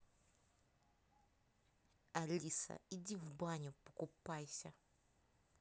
алиса иди в баню покупайся